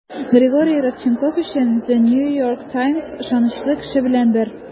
Григорий Родченков өчен The New York Times ышанычлы кеше белән бер.